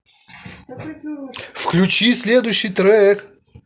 включи следующий трек